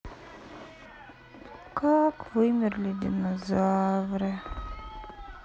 как вымерли динозавры